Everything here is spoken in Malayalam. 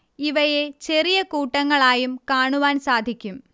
ഇവയെ ചെറിയ കൂട്ടങ്ങളായും കാണുവാൻ സാധിക്കും